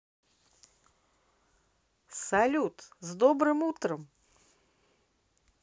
салют с добрым утром